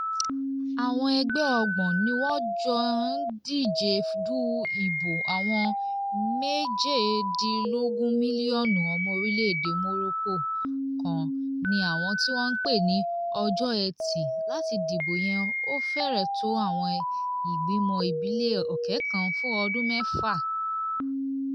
Àwọn ẹgbẹ́ ọgbọ́n ni wọ́n jọ ń díje du ìbò àwọn 13 mílíọ̀nù ọmọ orílẹ̀ èdè Morocco kan ní àwọn tí wọ́n pè ní ọjọ́ Ẹtì láti dìbò yẹn ó fẹ́rẹ̀ tó àwọn ìgbìmọ̀ ìbílẹ̀ 20,000 fún ọdún mẹ́fà.